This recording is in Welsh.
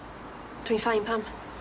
Dwi'n fine pam?